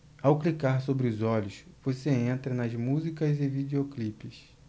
ao clicar sobre os olhos você entra nas músicas e videoclipes